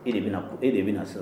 E de bɛna e de bɛna na sɔrɔ